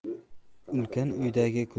ulkan uydagi kulsa